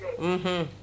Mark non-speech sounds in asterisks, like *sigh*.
*hesitation* *hesitation*